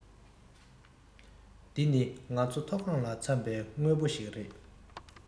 འདི ནི ང ཚོ འཐོ སྒང ལ འཚམས པས དངོས པོ ཞིག རེད